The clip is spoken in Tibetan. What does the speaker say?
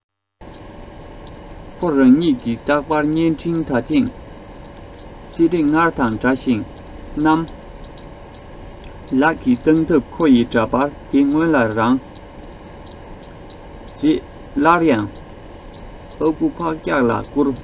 ཁོ རང ཉིད ཀྱི རྟག པར བརྙན འཕྲིན ད ཐེངས ཚེ རིང སྔར དང འདྲ ཞིང གནམ དེའི ལག གི སྟངས སྟབས ཁོ ཡི འདྲ པར དེ སྔོན ལ རང རྗེས སླར ཡང ཨ ཁུ ཕག སྐྱག ལ བསྐུར